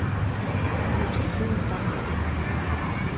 включи синий трактор